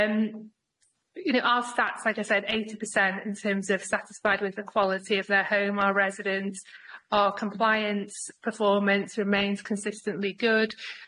Yym. you know our stats like I said eighty percent in terms of satisfied with the quality of their home our residents our compliance performance remains consistently good,